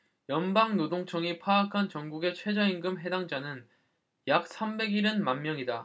연방노동청이 파악한 전국의 최저임금 해당자는 약 삼백 일흔 만명이다